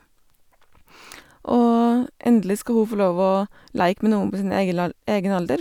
Og endelig skal hun få lov å leike med noen på sin egel al egen alder.